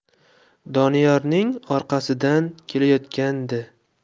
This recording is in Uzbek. doniyorning orqasidan kelayotgandi